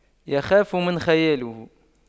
يخاف من خياله